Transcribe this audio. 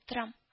Торам